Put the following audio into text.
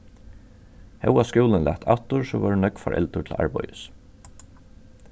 hóast skúlin læt aftur so vóru nógv foreldur til arbeiðis